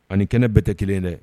Ani kɛnɛ bɛɛ tɛ kelen ye dɛ